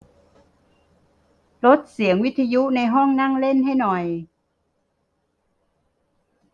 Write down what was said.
ลดเสียงวิทยุในห้องนั่งเล่นให้หน่อย